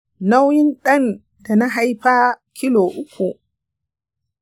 nauyin dan da na haifa kilo uku.